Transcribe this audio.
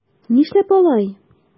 Нишләп алай?